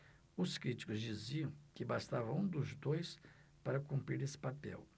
os críticos diziam que bastava um dos dois para cumprir esse papel